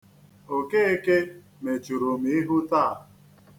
Okeke mechuru m ihu taa.